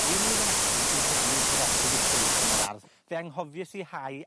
Wi myn' i fyn' ati i blannu brocoli piws yn yr ardd fe anghofies i hau